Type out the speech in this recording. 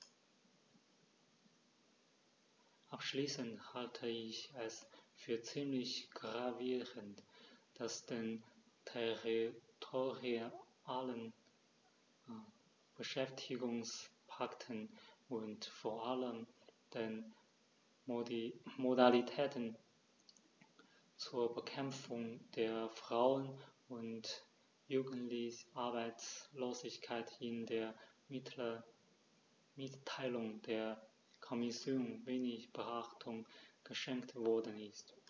Abschließend halte ich es für ziemlich gravierend, dass den territorialen Beschäftigungspakten und vor allem den Modalitäten zur Bekämpfung der Frauen- und Jugendarbeitslosigkeit in der Mitteilung der Kommission wenig Beachtung geschenkt worden ist.